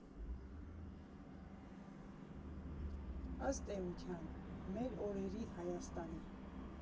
Ըստ էության՝ մեր օրերի Հայաստանի։